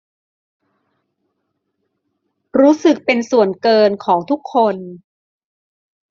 รู้สึกเป็นส่วนเกินของทุกคน